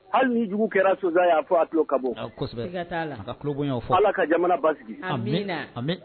Hali nijugu kɛra' fɔ a tulo ka ala ka jamana ba